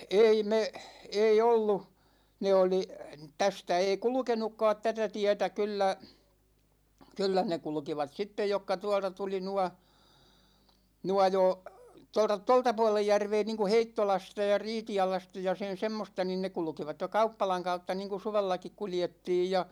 ei me ei ollut ne oli tästä ei kulkenutkaan tätä tietä kyllä kyllä ne kulkivat sitten jotka tuolta tuli nuo nuo jo tuolta tuolta puolen järveä niin kun Heittolasta ja Riitialasta ja sen semmoista niin ne kulkivat jo kauppalan kautta niin kun suvellakin kuljettiin ja